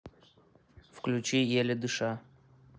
включи еле дыша